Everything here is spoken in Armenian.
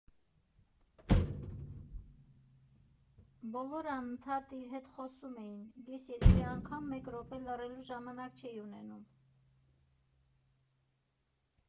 Բոլորը անընդհատ իր հետ խոսում էին, ես երևի անգամ մեկ րոպե լռելու ժամանակ չէի ունենում։